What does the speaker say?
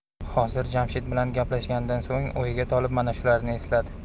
hozir jamshid bilan gaplashganidan so'ng o'yga tolib mana shularni esladi